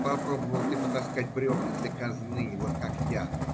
попробовал бы ты потаскать бревна для казны, вот как я.